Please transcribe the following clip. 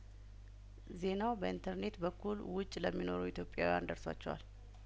ዜናው በኢንተርኔት በኩል ውጭ ለሚኖሩ ኢትዮጵያውያን ደርሷቸዋል